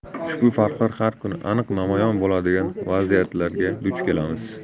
ushbu farqlar har kuni aniq namoyon bo'ladigan vaziyatlarga duch kelamiz